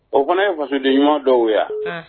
O fana ye kasidiɲuman dɔw wa